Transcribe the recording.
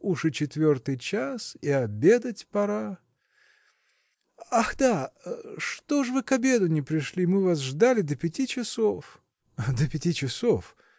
уж и четвертый час и обедать пора!. Ах да: что ж вы к обеду не пришли? мы вас ждали до пяти часов. – До пяти часов?